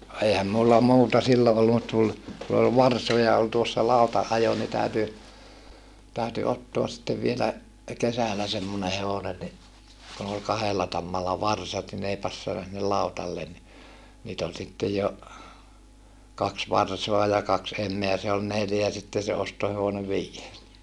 no eihän minulla muuta silloin ollut mutta tuli kun oli varsoja oli tuossa lautanajo niin täytyi täytyi ottaa sitten vielä kesällä semmoinen hevonen niin kun oli kahdella tammalla varsat niin ne ei passannut sinne lautalle niin niitä oli sitten jo kaksi varsaa ja kaksi emää se oli neljä ja sitten se ostohevonen viides niin